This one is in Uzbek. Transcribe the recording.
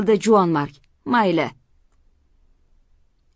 juvonmarg mayli